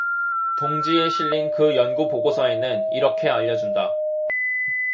동 지에 실린 그 연구 보고서에서는 이렇게 알려 준다